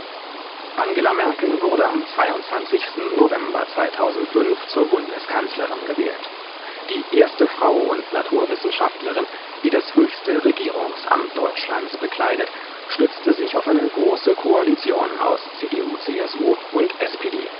Angela Merkel wurde am 22. November 2005 zur Bundeskanzlerin gewählt. Die erste Frau und Naturwissenschaftlerin, die das höchste Regierungsamt Deutschlands bekleidet, stützte sich auf eine große Koalition aus CDU/CSU und SPD